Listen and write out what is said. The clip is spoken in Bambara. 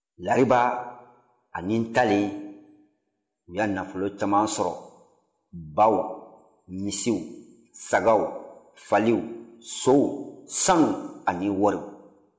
lariba ani ntalen u y'a nafolo caman sɔrɔ baw misiw sagaw faliw sow sanu ani wari